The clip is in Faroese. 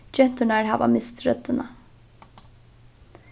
genturnar hava mist røddina